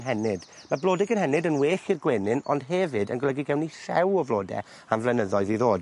Ma' blode cynhennid yn well i'r gwenyn ond hefyd yn golygu gewn ni llew o flode am flynyddoedd i ddod.